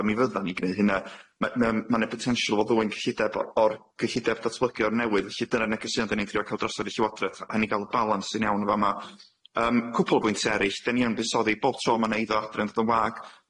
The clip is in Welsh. fel mi fyddan ni'n gneud hynna ma' ma' ma' ne'r potential fo ddwyn cyllideb o- o'r cyllideb datblygio'r newydd felly dyna'r negeseuon dan ni'n trio ca'l drosod i'r Llywodraeth a- rha'n ni'n ga'l y balans sy'n iawn yn fa' ma'.Yym cwpwl o bwyntie eryll dan ni yn byddsoddi bob tro ma' eiddo Adre yn dod yn wag,